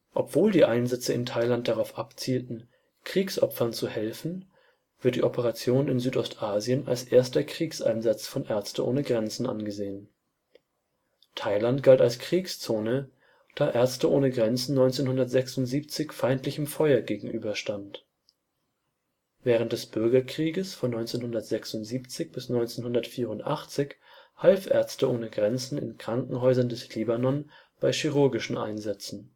Obwohl die Einsätze in Thailand darauf abzielten, Kriegsopfern zu helfen, wird die Operation in Südostasien als erster Kriegseinsatz von MSF angesehen. Thailand galt als Kriegszone, da MSF 1976 feindlichem Feuer gegenüberstand. Während des Bürgerkrieges von 1976 bis 1984 half Ärzte ohne Grenzen in Krankenhäusern des Libanon bei chirurgischen Einsätzen